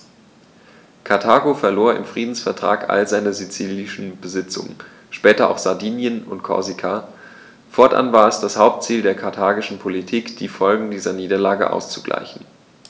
Karthago verlor im Friedensvertrag alle seine sizilischen Besitzungen (später auch Sardinien und Korsika); fortan war es das Hauptziel der karthagischen Politik, die Folgen dieser Niederlage auszugleichen.